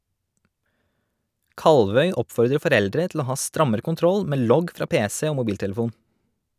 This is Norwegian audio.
Kalvøy oppfordrer foreldre til å ha strammere kontroll med logg fra pc og mobiltelefon.